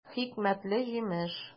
Хикмәтле җимеш!